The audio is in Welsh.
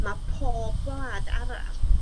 ma' pob gwlad arall